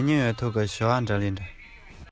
གང ནས ལྡང མིན མི ཤེས པའི